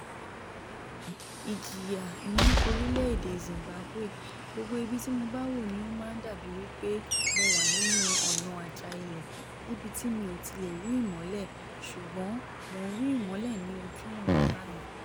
Ìjìyà ní orílẹ̀ èdè Zimbabwe, gbogbo ibi tí mo bá wò ni ó máa ń dàbí wípé mo wà nínú ọ̀nà-àjà-ilẹ̀ níbi tí mi ò ti lè rí ìmọ́lẹ̀ ṣùgbọ́n, mo ń rí ìmọ́lẹ̀ ní ojú ọ̀run báyìí.